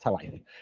Ta waeth.